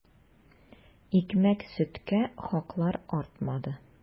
Икмәк-сөткә хаклар артмады.